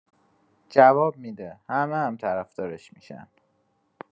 جواب می‌ده، همه هم طرفدارش می‌شن.